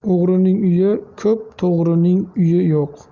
o'g'rining uyi ko'p to'g'rining uyi yo'q